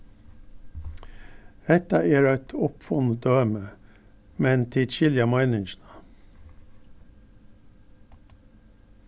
hetta er eitt uppfunnið dømi men tit skilja meiningina